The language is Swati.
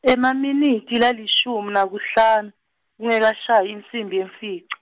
Emaminitsi lalishumi naku hlan-, kungekashayi insimbi yemfica.